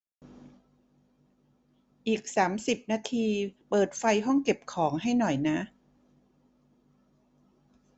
อีกสามสิบนาทีเปิดไฟห้องเก็บของให้หน่อยนะ